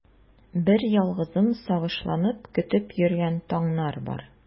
Берьялгызым сагышланып көтеп йөргән таңнар бар.